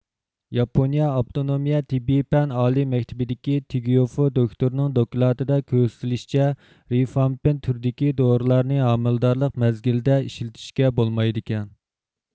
ياپونىيە ئاپتونومىيە تېببىي پەن ئالىي مەكتىپىدىكى تېگيوفو دوكتورنىڭ دوكلاتىدا كۆرسىتىلىشىچە رىفامپىن تۈرىدىكى دورىلارنى ھامىلىدارلىق مەزگىلىدە ئىشلىتىشكە بولمايدىكەن